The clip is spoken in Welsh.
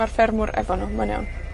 Ma'r ffermwr efo nw. Mae'n iawn.